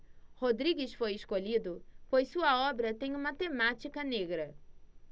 rodrigues foi escolhido pois sua obra tem uma temática negra